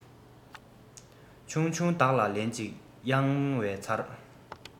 ཆུང ཆུང བདག ལ ལེན ཅིག གཡར བར འཚལ